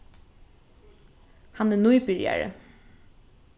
hann er nýbyrjari